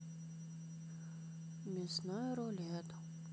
мясной рулет